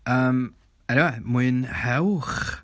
Yym, eniwe, mwynhewch.